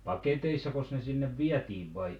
paketeissako ne sinne vietiin vai